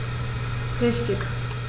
Richtig